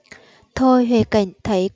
thôi huệ cảnh thấy